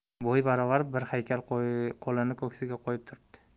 bo'y baravar bir haykal qo'lini ko'ksiga qo'yib turibdi